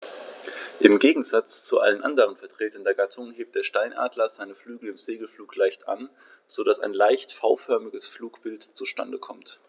Im Gegensatz zu allen anderen Vertretern der Gattung hebt der Steinadler seine Flügel im Segelflug leicht an, so dass ein leicht V-förmiges Flugbild zustande kommt.